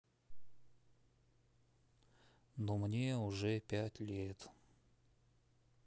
ну мне уже пять лет